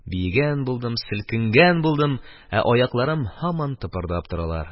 Биегән булдым, селкенгән булдым, ә аяларым һаман тыпырдап торалар.